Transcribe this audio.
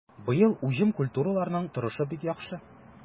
Быел уҗым культураларының торышы бик яхшы.